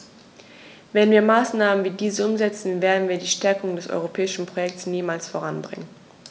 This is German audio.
Wenn wir Maßnahmen wie diese umsetzen, werden wir die Stärkung des europäischen Projekts niemals voranbringen.